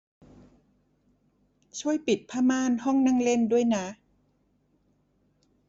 ช่วยปิดผ้าม่านห้องนั่งเล่นด้วยนะ